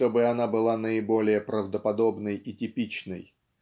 чтобы она была наиболее правдоподобной и типичной.